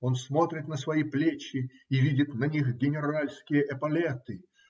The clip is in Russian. Он смотрит на свои плечи и видит на них генеральские эполеты.